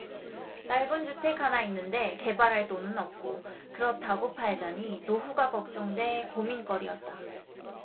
낡은 주택 하나 있는데 개발할 돈은 없고 그렇다고 팔자니 노후가 걱정돼 고민거리였다